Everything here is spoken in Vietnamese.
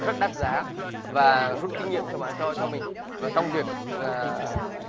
rất đắt giá và rút kinh nghiệm cho bà cho cho mình và trong việc là